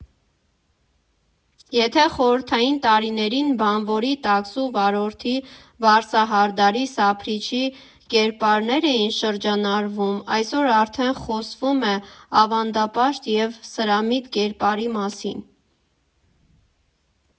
Եթե խորհրդային տարիներին բանվորի, տաքսու վարորդի, վարսահարդարի, սափրիչի կերպարներ էին շրջանառվում, այսօր արդեն խոսվում է ավանդապաշտ և սրամիտ կերպարի մասին։